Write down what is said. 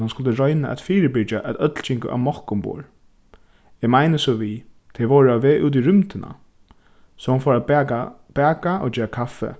at hon skuldi royna at fyribyrgja at øll gingu amokk umborð eg meini so við tey vóru á veg út í rúmdina so hon fór at baka baka og gera kaffi